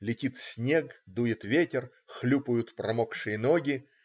Летит снег, дует ветер, хлюпают промокшие ноги.